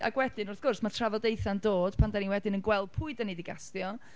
Ac wedyn, wrth gwrs, mae'r trafodaethau'n dod pan dan ni wedyn yn gweld pwy dan ni 'di gastio.